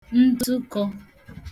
ndụkọ